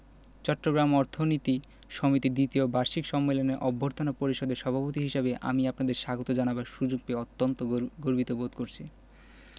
চট্টগ্রাম অর্থনীতি সমিতির দ্বিতীয় বার্ষিক সম্মেলনের অভ্যর্থনা পরিষদের সভাপতি হিসেবে আমি আপনাদের স্বাগত জানাবার সুযোগ পেয়ে অত্যন্ত গর্বিত বোধ করছি